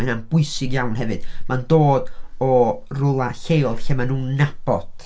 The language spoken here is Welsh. Mae hynna'n bwysig iawn hefyd. Mae'n dod o rywle lleol lle maen nhw'n nabod.